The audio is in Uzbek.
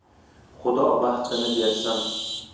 xudo baxtini bersin